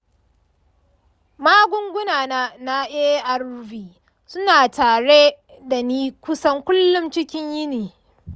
magungunana na arv suna tare da ni kusan kullum cikin yini.